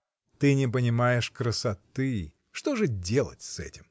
— Ты не понимаешь красоты: что же делать с этим?